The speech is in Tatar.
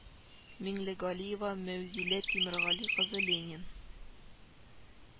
Миңнегалиева Мәүзилә Тимергали кызы Ленин